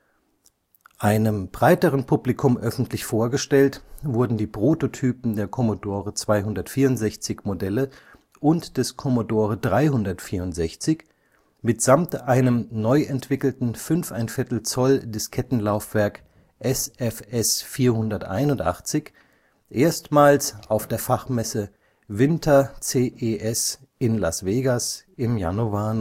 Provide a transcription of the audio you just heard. Einem breiteren Publikum öffentlich vorgestellt wurden die Prototypen der Commodore-264-Modelle und des Commodore 364 mitsamt einem neuentwickelten 5¼-Zoll-Diskettenlaufwerk SFS 481 erstmals auf der Fachmesse Winter CES in Las Vegas im Januar